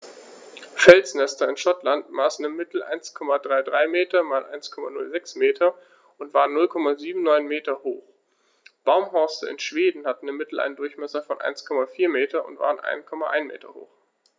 Felsnester in Schottland maßen im Mittel 1,33 m x 1,06 m und waren 0,79 m hoch, Baumhorste in Schweden hatten im Mittel einen Durchmesser von 1,4 m und waren 1,1 m hoch.